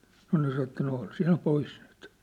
no ne sanoi että no ole sinä pois nyt